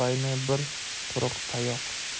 baayni bir quruq tayoq